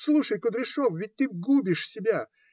- Слушай, Кудряшов, ведь ты губишь себя.